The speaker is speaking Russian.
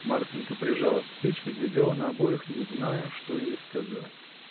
Марфинька прижалась к печке и глядела на обоих, не зная, что ей сказать.